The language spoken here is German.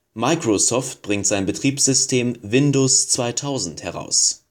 Microsoft bringt sein Betriebssystem Windows 2000 heraus